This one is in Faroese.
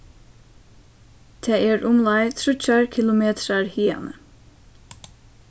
tað er umleið tríggjar kilometrar hiðani